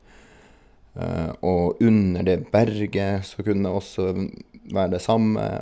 Og under det berget så kunne det også være det samme.